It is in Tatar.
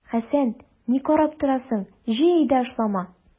Хәсән, ни карап торасың, җый әйдә ашлама!